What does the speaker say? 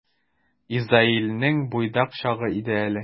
Изаилнең буйдак чагы иде әле.